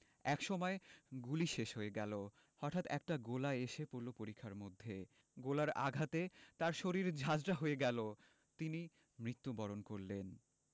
একসময় গুলি শেষ হয়ে গেল হটাঠ একটা গোলা এসে পড়ল পরিখার মধ্যে গোলার আঘাতে তার শরীর ঝাঁঝরা হয়ে গেল তিনি মৃত্যুবরণ করলেন